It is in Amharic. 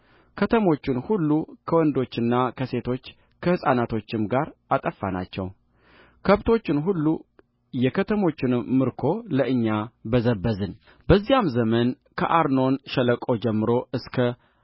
ከተሞቹን ሁሉ ከወንዶችና ከሴቶች ከሕፃናቶችም ጋር አጠፋናቸውከብቶቹን ሁሉ የከተሞቹንም ምርኮ ለእኛ በዘበዝንበዚያም ዘመን ከአርኖን ሸለቆ ጀምሮ እስከ